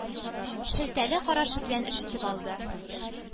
Шелтәле карашы белән өшетеп алды.